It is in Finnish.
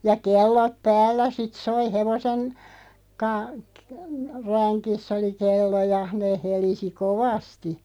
ja kellot päällä sitten soi hevosen -- längissä oli kello ja ne helisi kovasti